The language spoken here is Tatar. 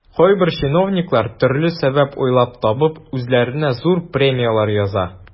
Кайбер чиновниклар, төрле сәбәп уйлап табып, үзләренә зур премияләр яза.